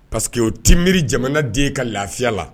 Pa que oo te miiriri jamana den ka lafiya la